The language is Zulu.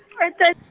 eyi thirty.